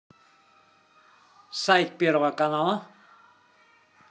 сайт первого канала